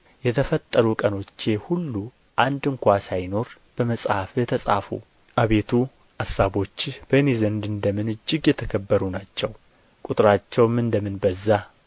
የተፈጠሩ ቀኖቼ ሁሉ አንድ ስንኳ ሳይኖር በመጽሐፍህ ተጻፉ አቤቱ አሳቦችህ በእኔ ዘንድ እንደ ምን እጅግ የተከበሩ ናቸው ቍጥራቸውም እንደ ምን በዛ